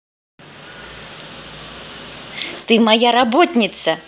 ты моя работница